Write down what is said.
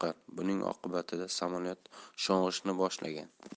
yoqqan buning oqibatida samolyot sho'ng'ishni boshlagan